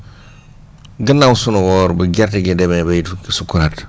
gànnaaw sunu Sunuor bu gerte gi demee bay sukuraat